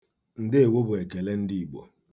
Ndeewo bụ ekele ndị Igbo.